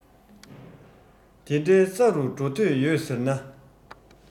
དེ འདྲའི ས རུ འགྲོ འདོད ཡོད ཟེར ན